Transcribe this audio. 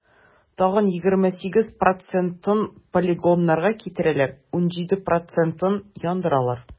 Тагын 28 процентын полигоннарга китерәләр, 17 процентын - яндыралар.